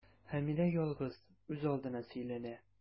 Хәмидә ялгыз, үзалдына сөйләнә.